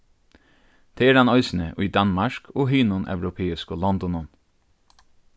tað er hann eisini í danmark og hinum europeisku londunum